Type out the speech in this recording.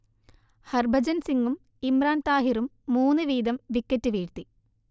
ഹർഭജൻ സിങ്ങും ഇമ്രാൻ താഹിറും മൂന്ന് വീതം വിക്കറ്റ് വീഴ്ത്തി